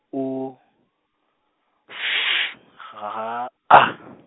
U F H A .